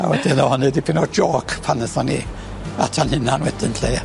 A wedyn o' hynny'n dipyn o jôc pan neutho ni atan hunan wedyn lly.